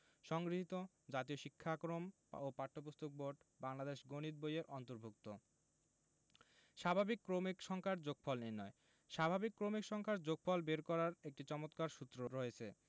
সংগৃহীত জাতীয় শিক্ষাক্রম ও পাঠ্যপুস্তক বোর্ড বাংলাদেশ গণিত বই-এর অন্তর্ভুক্ত স্বাভাবিক ক্রমিক সংখ্যার যোগফল নির্ণয় স্বাভাবিক ক্রমিক সংখ্যার যোগফল বের করার একটি চমৎকার সূত্র রয়েছে